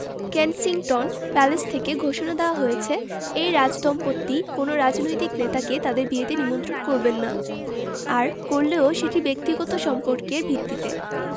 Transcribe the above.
Kensington palace থেকে ঘোষণা দেওয়া হয়েছে এই রাজদম্পতি কোনো রাজনৈতিক নেতাকে তাঁদের বিয়েতে নিমন্ত্রণ করবেন না আর করলেও সেটি ব্যক্তিগত সম্পর্কের ভিত্তিতে